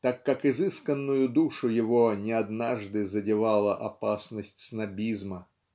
так как изысканную душу его не однажды задевала опасность снобизма.